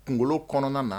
Kunkolo kɔnɔna na